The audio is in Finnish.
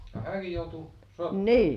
ja hän joutui sotaan